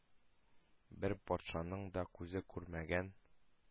Бер патшаның да күзе күрмәгән,